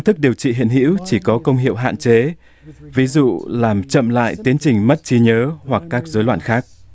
thức điều trị hiện hữu chỉ có công hiệu hạn chế ví dụ làm chậm lại tiến trình mất trí nhớ hoặc các rối loạn khác